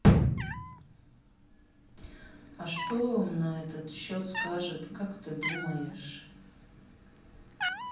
а что вам на этот счет скажет как ты думаешь